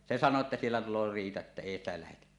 se sanoo että siellä tulee riita että ei sitä lähdetä